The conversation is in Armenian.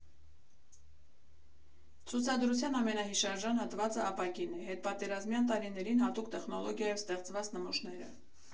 Ցուցադրության ամենահիշարժան հատվածը ապակին է՝ հետպատերազմյան տարիներին հատուկ տեխնոլոգիայով ստեղծված նմուշները։